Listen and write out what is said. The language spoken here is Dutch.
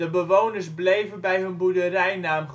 bewoners bleven bij hun boerderijnaam